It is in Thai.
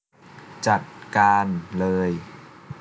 จัดการเลย